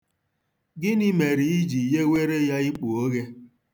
Gịnị mere i ji ghewere ya ikpu oghe?